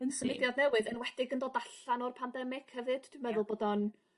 yn symudiad newydd enwedig yn dod allan o'r pandemic hefyd dwi meddwl bod o'n